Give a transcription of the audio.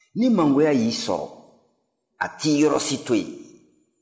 ni mangoya y'i sɔrɔ a t'i yɔrɔ si to yen